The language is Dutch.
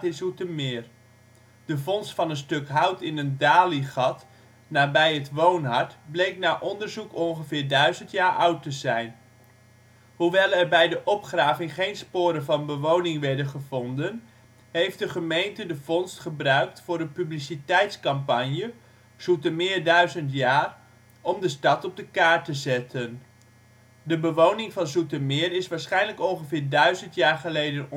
Zoetermeer. De vondst van een stuk hout in een daliegat nabij het woonhart bleek na onderzoek ongeveer 1000 jaar oud te zijn. Hoewel er bij de opgraving geen sporen van bewoning werden gevonden, heeft de gemeente de vondst gebruikt voor een publiciteitscampagne Zoetermeer 1000 jaar, de stad op de kaart te zetten. De bewoning van Zoetermeer is waarschijnlijk ongeveer 1000 jaar geleden